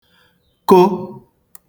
kụ